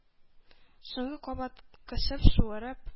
Соңгы кабат кысып, суырып.